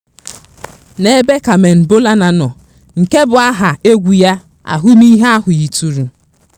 N'ebe Carmen Bolena nọ, nke bụ aha egwu ya, ahụmihe ahụ yituru.